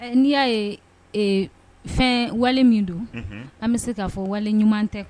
Ɛɛ ni ya ye fɛn wale min don an be se ka fɔ wale ɲuman tɛ.